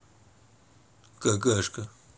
какашка